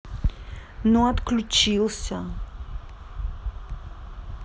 ну отключился